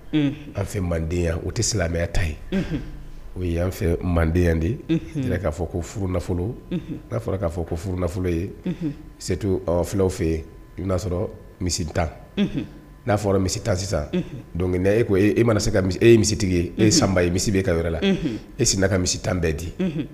An fɛ o silamɛya ta ye o fɛ mande de ye k'a fɔ ko f nafolo'a fɔra k'a fɔ ko f nafolo setu fula fɛ yen i'a sɔrɔ misi tan n'a fɔra misi tan sisan e ko e mana se e ye misitigi ye e ye sanba ye misi bɛ ka wɛrɛ la e ka misi tan bɛɛ di